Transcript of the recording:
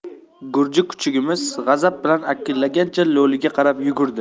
gurji kuchugimiz g'azab bilan akillagancha lo'liga qarab yugurdi